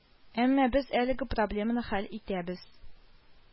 Әмма без әлеге проблеманы хәл итәбез